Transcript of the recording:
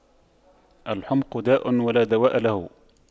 الحُمْقُ داء ولا دواء له